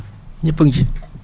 ñëpp a ngi ci